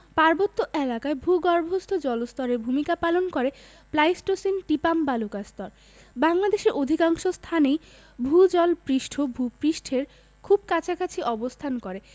পার্বত্য এলাকায় ভূগর্ভস্থ জলস্তরের ভূমিকা পালন করে প্লাইসটোসিন টিপাম বালুকাস্তর বাংলাদেশের অধিকাংশ স্থানেই ভূ জল পৃষ্ঠ ভূ পৃষ্ঠের খুব কাছাকাছি অবস্থান করে